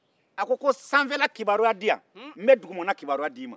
a ko sanfɛla kibaruya di yan n be dugumana ta d'ima